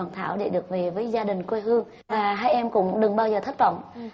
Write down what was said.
bạn thảo để được về với gia đình quê hương và hai em cũng đừng bao giờ thất vọng